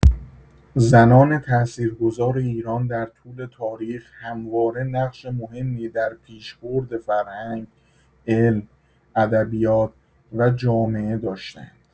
زنان تاثیرگذار ایران در طول تاریخ همواره نقش مهمی در پیشبرد فرهنگ، علم، ادبیات و جامعه داشته‌اند.